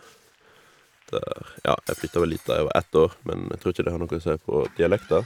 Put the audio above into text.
der Ja, jeg flytta vel dit da jeg var ett år, men jeg tror ikke det har noe å si på dialekten.